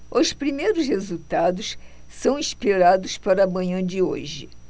os primeiros resultados são esperados para a manhã de hoje